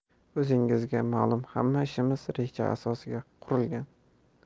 o'zingizga malum hamma ishimiz reja asosiga qurilgan